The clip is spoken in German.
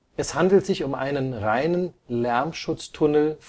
Es handelt sich um einen reinen Lärmschutztunnel